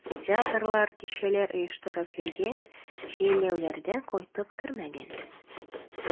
Театрлар, кичәләр оештырып йөргән, җәйләүләрдән кайтып кермәгән.